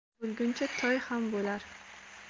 ot bo'lguncha toy ham bo'lar